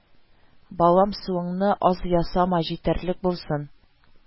– балам, суыңны аз ясама, җитәрлек булсын